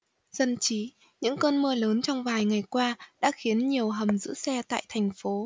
dân trí những cơn mưa lớn trong vài ngày qua đã khiến nhiều hầm giữ xe tại thành phố